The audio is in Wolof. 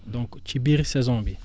donc ci biir saison bi